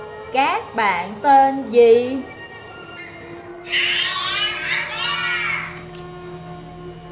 các bạn tên gì tôi là angela tôi là ginger